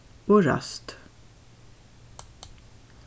og ræst